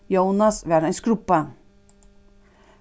jónas var ein skrubba